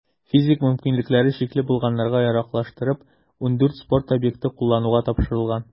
Физик мөмкинлекләре чикле булганнарга яраклаштырып, 14 спорт объекты куллануга тапшырылган.